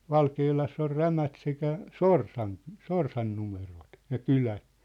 Valkealassa on Rämät sekä Sorsan Sorsan numerot ja kylä